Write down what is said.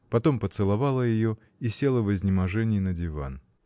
Потом поцеловала ее и села в изнеможении на диван.